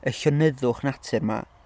y llonyddwch natur 'ma.